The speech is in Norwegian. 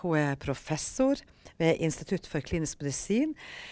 hun er professor ved Institutt for klinisk medisin.